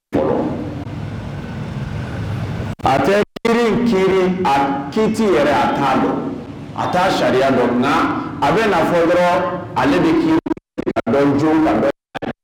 Pa tɛ yiririn kirin a ki yɛrɛ a ta don a taa sariya don na a bɛna na fɔ yɔrɔ ale bɛ kij